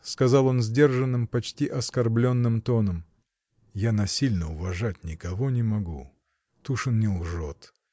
— сказал он сдержанным, почти оскорбленным тоном, — я насильно уважать никого не могу. Тушин не лжет.